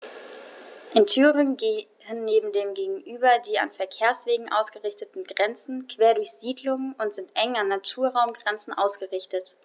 In Thüringen gehen dem gegenüber die an Verkehrswegen ausgerichteten Grenzen quer durch Siedlungen und sind eng an Naturraumgrenzen ausgerichtet.